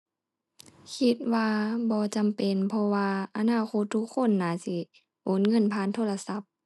คิดว่าบ่จำเป็น เพราะว่าอนาคตทุกคนน่าสิโอนเงินผ่านโทรศัพท์